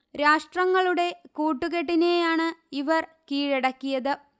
രാഷ്ട്രങ്ങളുടെ കൂട്ടുകെട്ടിനെയാണ് ഇവർ കീഴടക്കിയത്